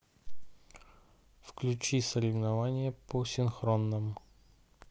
включи соревнования по синхронному